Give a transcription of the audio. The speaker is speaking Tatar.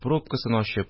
Пробкасын ачып